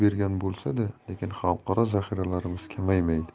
bergan bo'lsa da lekin xalqaro zaxiralarimiz kamaymadi